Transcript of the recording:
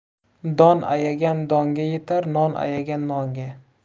don ayagan donga yetar non ayagan nonga